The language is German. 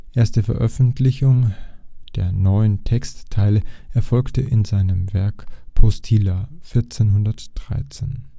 Erste Veröffentlichung der neuen Textteile erfolgte in seinem Werk Postila (1413